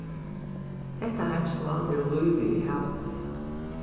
hetta heimsmál er um lívið í havinum